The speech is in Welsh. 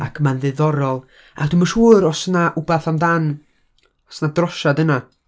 Ac ma'n ddiddorol, a dwi'm yn siŵr os 'na rywbeth amdan, oes 'na drosiad yna...